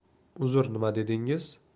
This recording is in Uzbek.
uzr nima dedingiz